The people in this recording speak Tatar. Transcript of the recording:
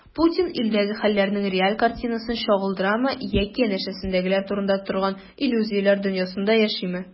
Путин илдәге хәлләрнең реаль картинасын чагылдырамы яки янәшәсендәгеләр тудыра торган иллюзияләр дөньясында яшиме?